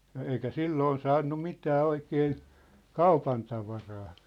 ja eikä silloin saanut mitään oikein kaupantavaraa